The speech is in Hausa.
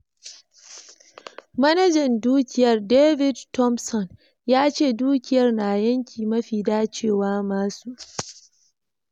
Manajan Dukiyar David Thompson yace dukiyar na yanki mafi dacewa masu.